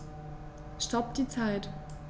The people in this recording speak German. Stopp die Zeit